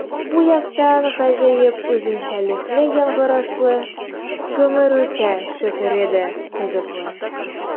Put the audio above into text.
Бу яктан гаҗәеп үзенчәлекле яңгырашлы “Гомер үтә” шигыре дә кызыклы.